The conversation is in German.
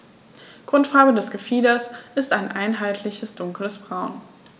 Grundfarbe des Gefieders ist ein einheitliches dunkles Braun.